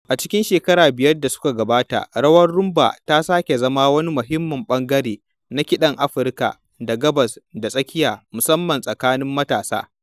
A cikin shekaru biyar da suka gabata, rawar Rhumba ta sake zama wani muhimmin ɓangare na kiɗan Afirka ta Gabas da Tsakiya, musamman tsakanin matasa.